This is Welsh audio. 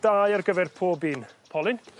dau ar gyfer pob un polyn